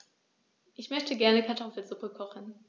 Ich möchte gerne Kartoffelsuppe kochen.